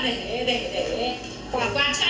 để để để quản quạt cho